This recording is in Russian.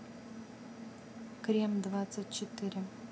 крем двадцать четыре